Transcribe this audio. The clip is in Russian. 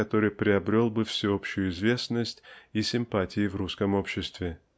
который приобрел бы всеобщую известность и симпатии в русском обществе